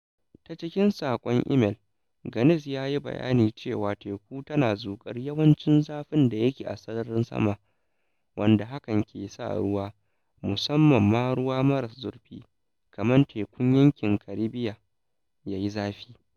Ta cikin saƙon email, Ganase ya yi bayani cewa teku tana zuƙar yawancin zafin da yake a sararin sama, wanda hakan ke sa ruwa - musamman ma ruwa maras zurfi kamar na Tekun Yankin Karibiya - ya yi zafi.